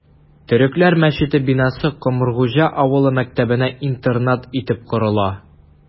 Төрекләр мәчете бинасы Комыргуҗа авылы мәктәбенә интернат итеп корыла...